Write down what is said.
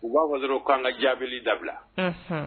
U b'a wa sɔrɔ k'an ka jaabib dabila